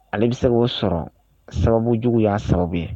Ale bɛ se o sɔrɔ sababu jugu y'a sababu